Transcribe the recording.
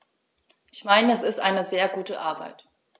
Ich meine, es ist eine sehr gute Arbeit.